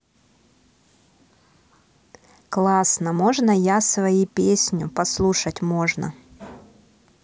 классно можно я свои песню послушать можно